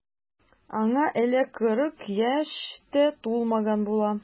Аңа әле кырык яшь тә тулмаган була.